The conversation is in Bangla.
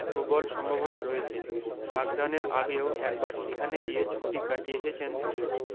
প্রবল সম্ভাবনা রয়েছে বাগদানের আগেও একবার সেখানে গিয়ে ছুটি কাটিয়ে এসেছেন দুজন